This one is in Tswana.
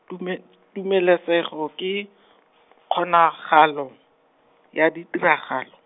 tume-, Tumelesego ke , kgonagalo, ya ditiragalo.